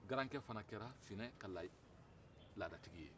garankɛ fɛnɛ kɛra finɛ ka ladatigi ye